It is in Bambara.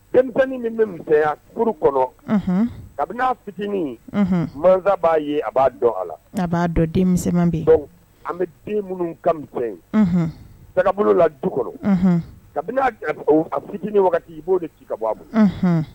Denmini min bɛya kuru kɔnɔ kabini fitinin min ye masa b'a ye a b'a dɔn a la a b'a dɔn den bɛ an bɛ den minnu kami in tɛgɛ bolo la du kɔnɔ kabini a fitinin i b'o de ka bɔ a ma